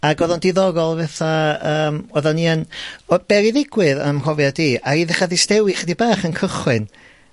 ag oddo o'n diddorol fetha, yym, oddan ni yn... Wel be' odd 'di i ddigwydd 'ym mhrofiad i, 'aru ddechra ddistewi chydig bach yn cychwyn.